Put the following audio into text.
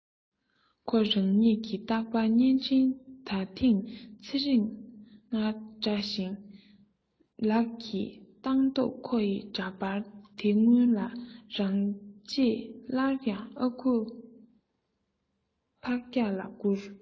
ཁོ རང ཉིད ཀྱི རྟག པར བརྙན འཕྲིན ད ཐེངས ཚེ རིང སྔར དང འདྲ ཞིང གནམ འི ལག གི སྟངས སྟབས ཁོ ཡི འདྲ པར དེ སྔོན ལ རང རྗེས སླར ཡང ཨ ཁུ ཕག སྐྱག ལ བསྐུར